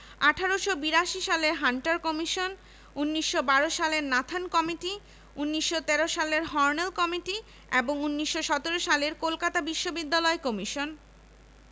তখন মুসলিম সম্প্রদায়ের কয়েকজন বিশিষ্ট নেতা ১৯১২ সালের ৩১ জানুয়ারি তাঁর সঙ্গে সাক্ষাৎ করেন এঁদের মধ্যে ছিলেন নওয়াব স্যার সলিমুল্লাহ